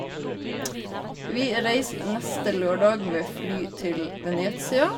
Vi reiser neste lørdag med fly til Venezia.